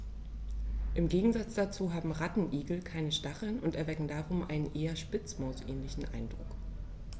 Im Gegensatz dazu haben Rattenigel keine Stacheln und erwecken darum einen eher Spitzmaus-ähnlichen Eindruck.